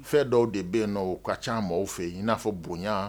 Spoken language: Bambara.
Fɛn dɔw de bɛ yen na ka ca mɔgɔw fɛ yen in n'a fɔ bonya